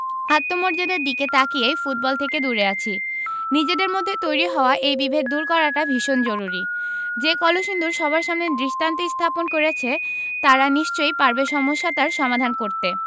আত্মমর্যাদার দিকে তাকিয়ে ফুটবল থেকে দূরে আছি নিজেদের মধ্যে তৈরি হওয়া এই বিভেদ দূর করাটা ভীষণ জরুরি যে কলসিন্দুর সবার সামনে দৃষ্টান্ত স্থাপন করেছে তারা নিশ্চয়ই পারবে সমস্যাটার সমাধান করতে